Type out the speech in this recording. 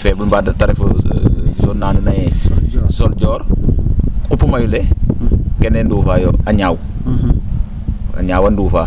a faible mba te ref zone na andoona yee sol jor qupu mayu le kene nduufa yo a ñaaw a ñaawa nduufa